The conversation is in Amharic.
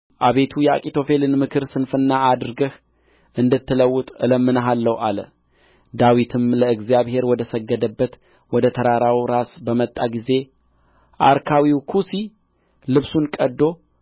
አቤቱ የአኪጦፌልን ምክር ስንፍና አድርገህ እንድትለውጥ እለምንሃለሁ አለ ዳዊትም ለእግዚአብሔር ወደ ሰገደበት ወደ ተራራው ራስ በመጣ ጊዜ አርካዊው ኩሲ ልብሱን ቀድዶ